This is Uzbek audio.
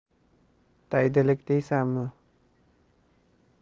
daydilik deysanmi